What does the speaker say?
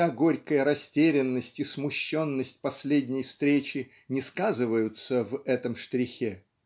вся горькая растерянность и смущенность последней встречи не сказываются в этом штрихе